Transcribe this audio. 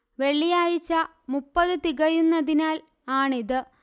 വെള്ളിയാഴ്ച മുപ്പത് തികയുന്നതിനാൽ ആണിത്